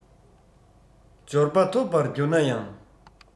འབྱོར པ ཐོབ པར གྱུར ན ཡང